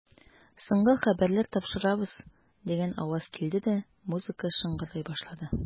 Соңгы хәбәрләр тапшырабыз, дигән аваз килде дә, музыка шыңгырдый башлады.